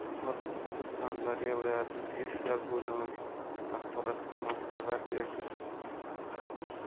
bu haqda surxondaryo viloyati ichki ishlar boimi axborot xizmati xabar berdi